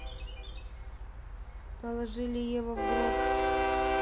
положили его в гроб